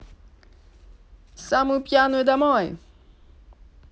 самую пьяную домой